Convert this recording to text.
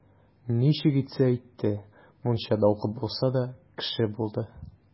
Ничек итсә итте, мунчада укып булса да, кеше булды.